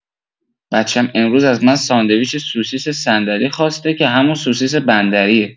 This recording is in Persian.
بچم امروز از من ساندویچ سوسیس صندلی خواسته که همون سوسیس بندریه